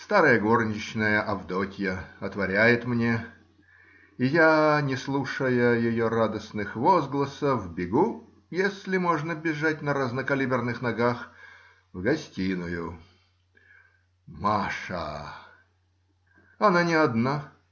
старая горничная Авдотья отворяет мне, и я, не слушая ее радостных возгласов, бегу (если можно бежать на разнокалиберных ногах) в гостиную, Маша! Она не одна